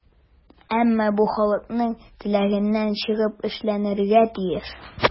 Әмма бу халыкның теләгеннән чыгып эшләнергә тиеш.